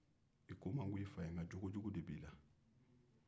i ko man go i fa ye nka jogo jugu de b'i la